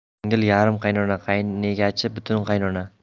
qayinsingil yarim qaynona qaynegachi butun qaynona